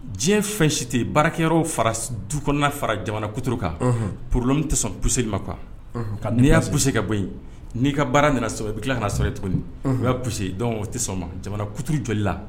Diɲɛ fɛn si tɛ baarakɛyɔrɔ fara du kɔnɔna fara jamana kutu kan porola min tɛ sɔn kuse ma kuwa ka ni y'ase ka bɔ yen n'i ka baara nana sɔrɔ i ki tila ka na sɔrɔ tuguni u y'a kuluse dɔn o tɛ sɔn jamana kutu jɔ la